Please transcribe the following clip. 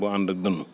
bu ànd ak dënnu